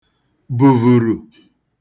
bùvùrù